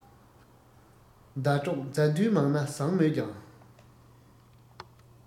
ཟླ གྲོགས མཛའ མཐུན མང ན བཟང མོད ཀྱང